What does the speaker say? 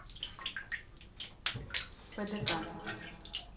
pdk